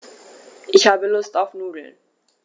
Ich habe Lust auf Nudeln.